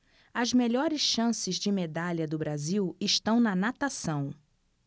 as melhores chances de medalha do brasil estão na natação